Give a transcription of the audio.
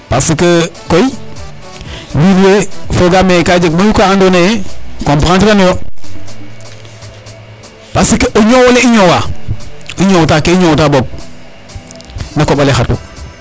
Parce que koy wiin we foogaam ee ka jeg mayu ka andoona yee comprendre iranooyo parce que o ñoow ole i ñoowaa, i ñoowtaa ke i ñoowtaa boog na koƥ ale xatu.